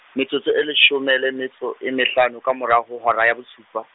metsotso e leshome, le metso e mehlano, ka morao ho hora ya bosupa.